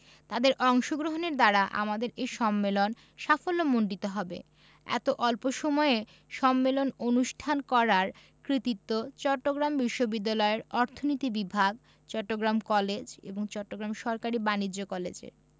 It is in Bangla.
তাদের অংশগ্রহণের দ্বারা আমাদের এ সম্মেলন সাফল্যমণ্ডিত হবে এত অল্প এ সম্মেলন অনুষ্ঠান করার কৃতিত্ব চট্টগ্রাম বিশ্ববিদ্যালয়ের অর্থনীতি বিভাগ চট্টগ্রাম কলেজ এবং চট্টগ্রাম সরকারি বাণিজ্য কলেজের